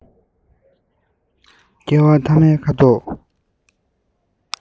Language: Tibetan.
བསྐལ བ མཐའ མའི ཁ དོག